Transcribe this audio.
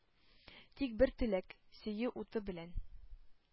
Тик бер теләк: сөю уты белән